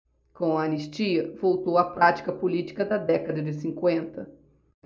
com a anistia voltou a prática política da década de cinquenta